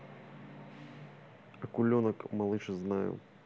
акуленок малыш знаю